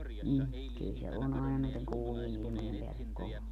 niin kyllä se on aina näiden kuumien ilmojen päälle kova